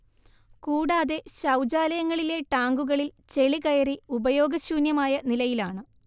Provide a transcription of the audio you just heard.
കൂടാതെ ശൗചാലയങ്ങളിലെ ടാങ്കുകളിൽ ചെളികയറി ഉപയോഗശൂന്യമായ നിലയിലാണ്